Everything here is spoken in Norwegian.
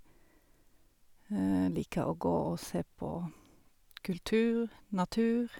Liker og gå og se på kultur, natur.